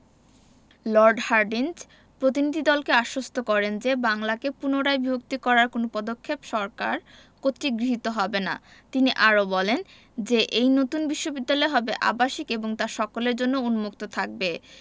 Lord Hardinge প্রতিনিধিদলকে আশ্বস্ত করেন যে বাংলাকে পুনরায় বিভক্তি করার কোনো পদক্ষেপ সরকার কর্তৃক গৃহীত হবে না তিনি আরও বলেন যে এ নতুন বিশ্ববিদ্যালয় হবে আবাসিক এবং তা সকলের জন্য উন্মুক্ত থাকবে